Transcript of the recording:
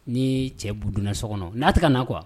Ni cɛ bud so kɔnɔ n'a tɛ na qu kuwa